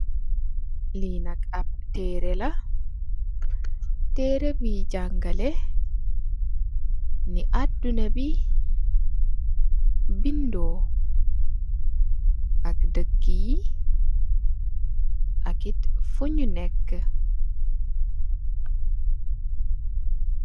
Li nak am terreh la, terreh bi jangaleh ni adunabi bindó ak dëkka yi ak kit fuñu nekka .